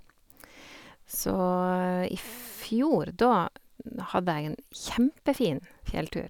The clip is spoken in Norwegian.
Så i fjor, da hadde jeg en kjempefin fjelltur.